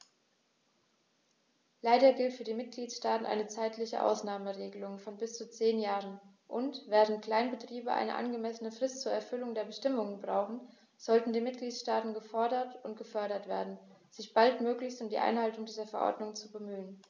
Leider gilt für die Mitgliedstaaten eine zeitliche Ausnahmeregelung von bis zu zehn Jahren, und, während Kleinbetriebe eine angemessene Frist zur Erfüllung der Bestimmungen brauchen, sollten die Mitgliedstaaten gefordert und gefördert werden, sich baldmöglichst um die Einhaltung dieser Verordnung zu bemühen.